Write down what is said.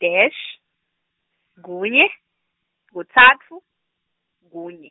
dash, kunye, kutsatfu, kunye.